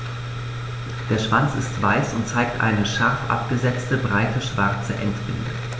Der Schwanz ist weiß und zeigt eine scharf abgesetzte, breite schwarze Endbinde.